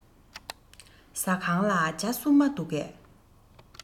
ཟ ཁང ལ ཇ སྲུབས མ འདུག གས